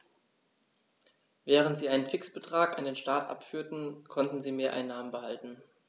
Während sie einen Fixbetrag an den Staat abführten, konnten sie Mehreinnahmen behalten.